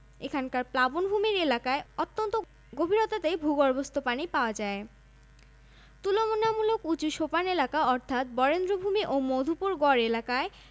খনিজ সম্পদঃ প্রাকৃতিক গ্যাস কয়লা পিট চুনাপাথর কঠিন শিলা সৈকত বালি ভারি মণিক zircon ilmenite rutile magnetite garnet monazite leucoxene